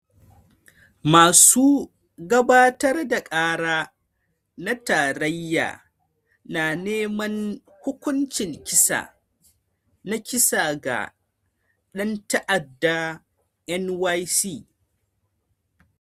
Masu gabatar da kara na tarayya na neman hukuncin kisa na kisa ga dan ta’adda NYC